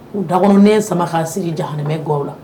Ku dakɔnɔnin sama ka siri jahanamɛ gaw la.